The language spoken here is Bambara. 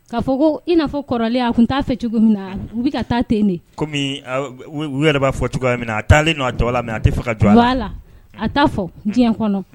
Ka fɔ ko ina kɔrɔlen a tun t'a fɛ cogo min na u bɛ ka taa ten kɔmi u yɛrɛ b'a fɔ cogoya min na a taalen' tɔgɔ la min a tɛ ka' la a' fɔ diɲɛ kɔnɔ